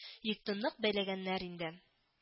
Йөкне нык бәйләгәннәрдер инде